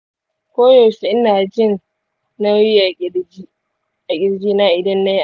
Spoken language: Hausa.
koyaushe ina jin nauyi a ƙirji na idan nayi azumi.